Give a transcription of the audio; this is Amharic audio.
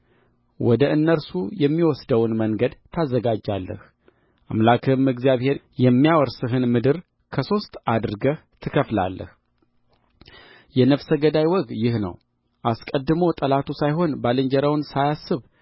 ወደ እነርሱ የሚወስደውን መንገድ ታዘጋጃለህ አምላክህም እግዚአብሔር የሚያወርስህን ምድር ከሦስት አድርገህ ትከፍላለህ የነፍሰ ገዳይ ወግ ይህ ነው አስቀድሞ ጠላቱ ሳይሆን ባልንጀራውን ሳያስብ